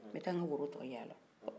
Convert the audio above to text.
n bɛ t'aa n ka woro tɔ yala